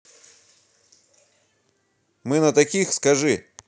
мы на таких скажи